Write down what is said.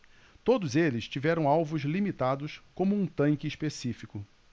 todos eles tiveram alvos limitados como um tanque específico